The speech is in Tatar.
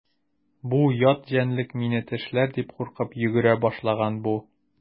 Бу ят җәнлек мине тешләр дип куркып йөгерә башлаган бу.